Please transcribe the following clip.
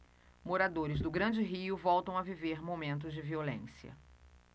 moradores do grande rio voltam a viver momentos de violência